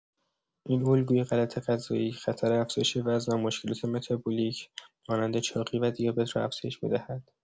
این الگوی غلط غذایی، خطر افزایش وزن و مشکلات متابولیک مانند چاقی و دیابت را افزایش می‌دهد.